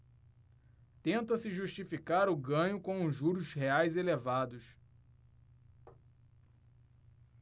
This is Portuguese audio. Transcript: tenta-se justificar o ganho com os juros reais elevados